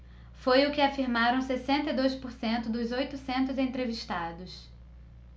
foi o que afirmaram sessenta e dois por cento dos oitocentos entrevistados